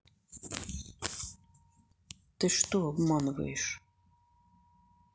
ты что обманываешь